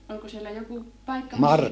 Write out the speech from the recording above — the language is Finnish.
oliko siellä joku paikka missä